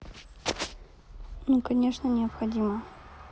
ну конечно необходимо